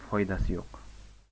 bilan foydasi yo'q